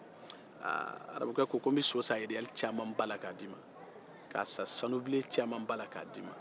aaa arabukɛ n bɛ so san iriyali caman ba la k'a d'i ma k'a san sanubilen caman ba k'a d'i ma